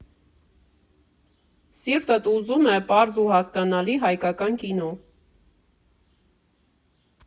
Սիրտդ ուզում է պարզ ու հասկանալի հայկական կինո։